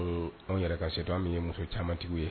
Uun anw yɛrɛ ka se to an' min ye muso caaman tigiw ye